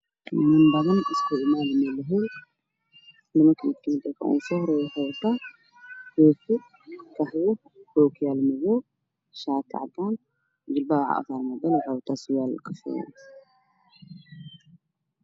Waa niman badan oo hool iskugu imaaday mid wuxuu wataa shaati cadaan surwaal qaxwa kuraas ayey ku fadhiyaan